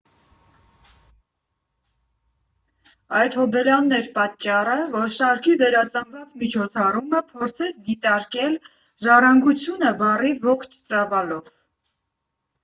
Այդ հոբելյանն էր պատճառը, որ շարքի վերածնված միջոցառումը փորձեց դիտարկել «ժառանգությունը» բառի ողջ ծավալով։